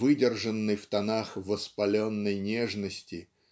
выдержанной в тонах "воспаленной нежности"